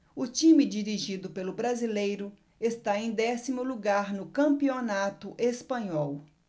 o time dirigido pelo brasileiro está em décimo lugar no campeonato espanhol